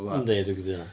yndi dwi'n cytuno.